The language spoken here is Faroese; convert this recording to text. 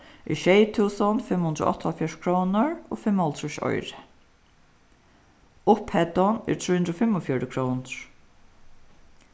er sjey túsund fimm hundrað og áttaoghálvfjerðs krónur og fimmoghálvtrýss oyru upphæddin er trý hundrað og fimmogfjøruti krónur